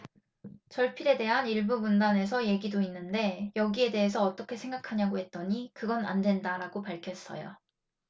절필에 대한 일부 문단에서 얘기도 있는데 여기에 대해서 어떻게 생각하느냐고 했더니 그건 안 된다라고 밝혔어요